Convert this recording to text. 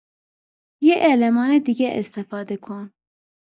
یه المان دیگه استفاده کن